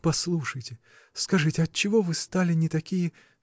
— Послушайте, скажите, отчего вы стали не такие.